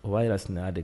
O b'a ' jira sinsya de